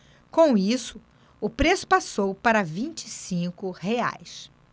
com isso o preço passou para vinte e cinco reais